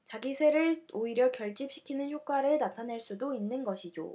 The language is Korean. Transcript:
자기 세를 오히려 결집시키는 효과를 나타낼 수도 있는 것이죠